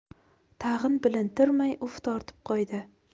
tag'in bilintirmay uf tortib qo'ydi